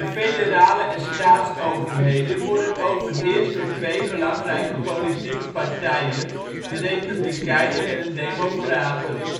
federale en staatsoverheden worden overheerst door twee belangrijke politieke partijen, de Republikeinen en de Democraten